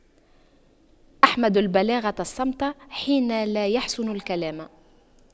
أحمد البلاغة الصمت حين لا يَحْسُنُ الكلام